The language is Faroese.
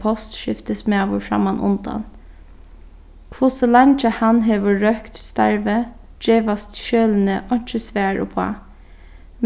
postskiftismaður frammanundan hvussu leingi hann hevur røkt starvið gevast skjølini einki svar uppá